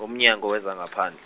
uMnyango weZangaphandle.